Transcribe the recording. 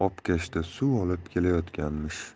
obkashda suv olib ketayotganmish